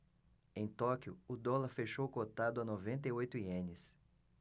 em tóquio o dólar fechou cotado a noventa e oito ienes